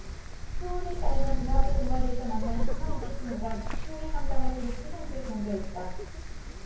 효은에 따르면 대학교 동아리에서 만난 신천지 친구가 심리상담을 통해 신천지를 전도했다